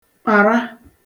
kpàrà